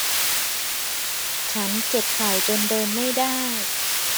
ฉันเจ็บเข่าจนเดินไม่ได้